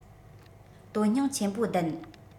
དོན སྙིང ཆེན པོ ལྡན